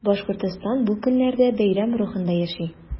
Башкортстан бу көннәрдә бәйрәм рухында яши.